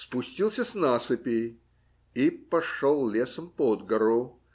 спустился с насыпи и пошел лесом под гору.